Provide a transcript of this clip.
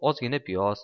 ozgina piyoz